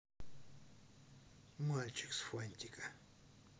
мальчик с фантика